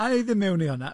Ai ddim mewn i hwnna!